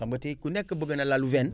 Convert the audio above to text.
xam nga tey ku nekk bëgg na lalu veine